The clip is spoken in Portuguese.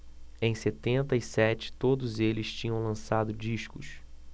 em setenta e sete todos eles tinham lançado discos